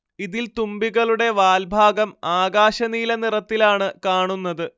ഇതിൽ തുമ്പികളുടെ വാൽ ഭാഗം ആകാശനീല നിറത്തിലാണ് കാണുന്നത്